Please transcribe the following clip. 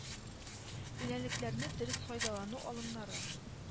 Үләнлекләрне дөрес файдалану алымнары